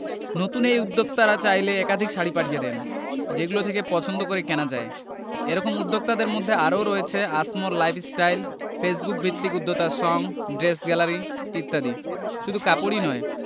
নতুন এই উদ্যোক্তারা চাইলে একাধিক শাড়ি পাঠিয়ে দেন যেগুলো থেকে পছন্দ করে কেনা যায় এ রকম উদ্যোক্তাদের মধ্যে আরও রয়েছে আসমোর লাইফস্টাইল ফেসবুকভিত্তিক উদ্যোক্তা সঙ ড্রেস গ্যালারি ইত্যাদি শুধু কাপড়ই নয়